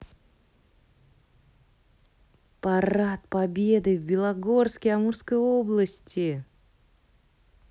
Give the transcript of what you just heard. парад победы в белогорске амурской области